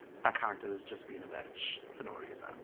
That character's just being a bitch for no reason.